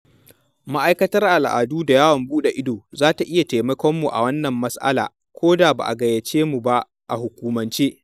Ma'aikatar Al'adu da Yawon Buɗe Ido za ta iya taimakon mu a wannan mas'ala ko da ba a gayyace mu ba a hukumance.